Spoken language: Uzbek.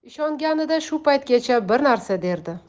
ishonganida shu paytgacha bir narsa derdi